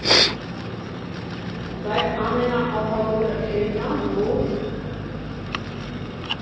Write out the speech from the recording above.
Բայց ամենաահավորը էն ա, որ…